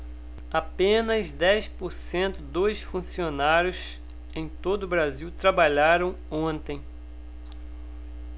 apenas dez por cento dos funcionários em todo brasil trabalharam ontem